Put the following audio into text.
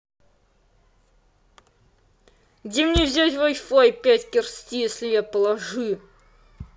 где мне взять вай фай пять керсти если я положи